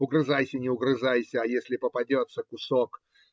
Угрызайся, не угрызайся - а если попадется кусок.